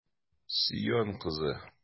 Сион кызы!